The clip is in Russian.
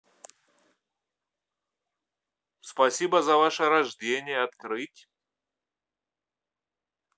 спасибо за ваше рождение открыть